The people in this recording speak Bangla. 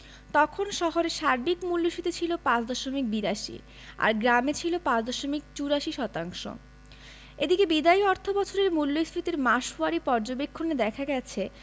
তখন শহরে সার্বিক মূল্যস্ফীতি ছিল ৫ দশমিক ৮২ আর গ্রামে ছিল ৫ দশমিক ৮৪ শতাংশ এদিকে বিদায়ী অর্থবছরের মূল্যস্ফীতির মাসওয়ারি পর্যবেক্ষণে দেখা গেছে